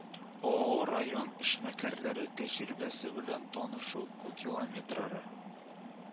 Ооо район эшмәкәрләре тәҗрибәсе белән танышу кукилометрара